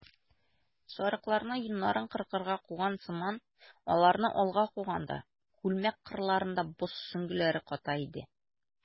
Сарыкларны йоннарын кыркырга куган сыман аларны алга куганда, күлмәк кырларында боз сөңгеләре ката иде.